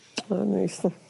Ma' fe'n ddeu stwff...